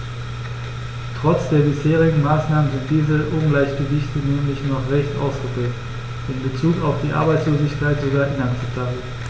Trotz der bisherigen Maßnahmen sind diese Ungleichgewichte nämlich noch recht ausgeprägt, in bezug auf die Arbeitslosigkeit sogar inakzeptabel.